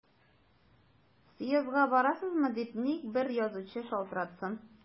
Съездга барасыңмы дип ник бер язучы шалтыратсын!